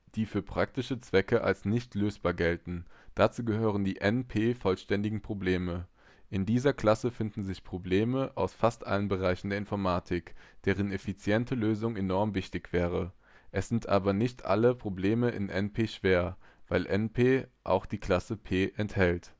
die für praktische Zwecke als nicht lösbar gelten. Dazu gehören die NP-vollständigen Probleme. In dieser Klasse finden sich Probleme aus fast allen Bereichen der Informatik, deren effiziente Lösung enorm wichtig wäre. Es sind aber nicht alle Probleme in NP schwer, weil NP auch die Klasse P enthält